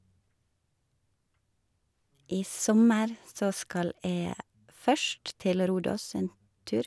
I sommer så skal jeg først til Rhodos en tur.